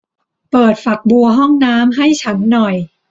เปิดฝักบัวห้องน้ำให้ฉันหน่อย